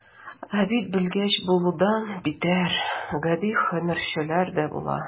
Ә бит белгеч булудан битәр, гади һөнәрчеләр дә була.